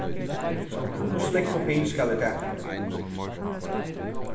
hvussu nógv kopi skal eg taka